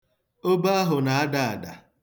Obe ahụ na-ada ada.